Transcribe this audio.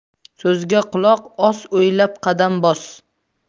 so'zga quloq os o'ylab qadam bos